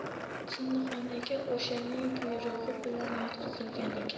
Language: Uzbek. jinnixonaga o'shaning buyrug'i bilan yotqizilgan ekan